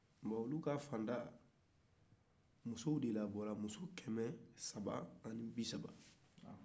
bon olu ka fanda musow de labɔra muso kɛmɛsaba ani bisaba